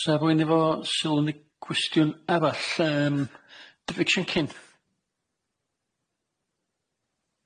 Sa fwyn efo sylwn i cwestiwn arall yym David Siencyn.